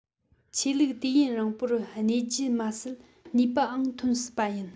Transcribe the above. ཆོས ལུགས དུས ཡུན རིང པོར གནས རྒྱུ མ ཟད ནུས པའང ཐོན སྲིད པ ཡིན